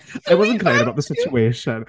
I wasn't crying about the situation.